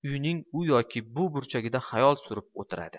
uyning u yoki bu burchagida xayol surib o'tiradi